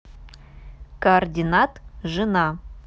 координат жена